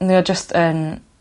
Mae o jyst yn